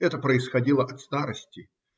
Это происходило от старости